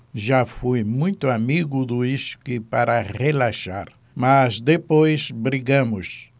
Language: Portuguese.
já fui muito amigo do uísque para relaxar mas depois brigamos